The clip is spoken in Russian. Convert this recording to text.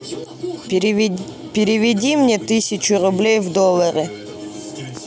переведи мне тысячу рублей в доллары